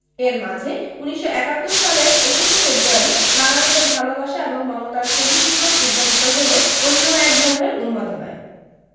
এর মাঝে ১৯৭১ সালের ২১শে ফেব্র য়ারি বাঙালিদের ভালোবাসা এবং মমতার শহীদ দিবস উদযাপিত হলো অন্য এক ধরনের উন্মাদনায়